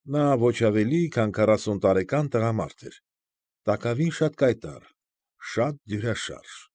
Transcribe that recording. Նա ոչ ավելի, քան քառասուն տարեկան տղամարդ էր, տակավին շատ կայտառ, շատ գյուբաշարժ։